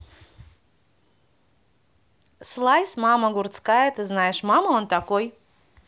слайс мама гурцкая ты знаешь мама он такой